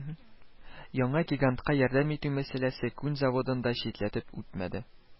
Яңа гигантка ярдәм итү мәсьәләсе күн заводын да читләтеп үтмәде